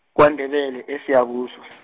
kwaNdebele eSiyabuswa.